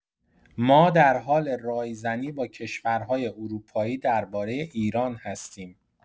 ما در حال رایزنی با کشورهای اروپایی درباره ایران هستیم.